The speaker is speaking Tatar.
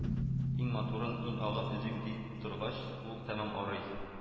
Иң матурын, иң агын өзим ди торгач, ул тәмам арый